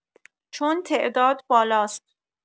چون تعداد بالاست